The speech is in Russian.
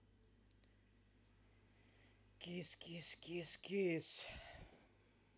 кис кис кис кис